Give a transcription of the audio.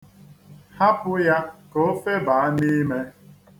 Hapụ ya ka o febaa n'ime.